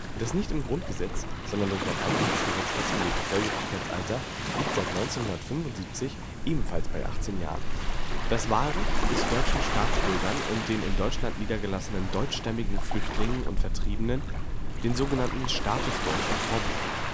Das nicht im Grundgesetz, sondern durch ein einfaches Gesetz (BGB) festgelegte Volljährigkeitsalter liegt seit 1975 ebenfalls bei 18 Jahren. Wahlplakate in Nürnberg, Bundestagswahl 1961 Das Wahlrecht ist deutschen Staatsbürgern und den in Deutschland niedergelassenen deutschstämmigen Flüchtlingen und Vertriebenen, den so genannten Statusdeutschen, vorbehalten